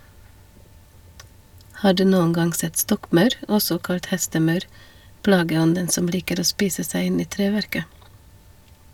Har du noen gang sett stokkmaur, også kalt hestemaur, plageånden som liker å spise seg inn i treverket?